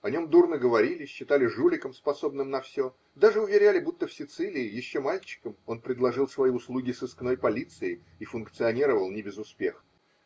о нем дурно говорили, считали жуликом, способным на все, даже уверяли, будто в Сицилии, еще мальчиком, он предложил свои услуги сыскной полиции и функционировал не без успеха.